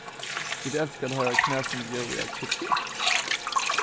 vit elska at hoyra knasandi ljóðið av kipsi